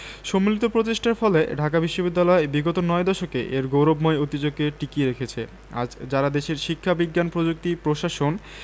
সম্মিলিত প্রচেষ্টার ফলে ঢাকা বিশ্ববিদ্যালয় বিগত নয় দশকে এর গৌরবময় ঐতিহ্যকে টিকিয়ে রেখেছে আজ যাঁরা দেশের শিক্ষা বিজ্ঞান প্রযুক্তি প্রশাসন